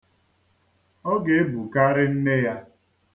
Ọ ga-ebukarị nne ya.